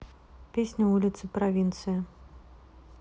песня улицы провинции